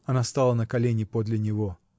Она стала на колени подле него.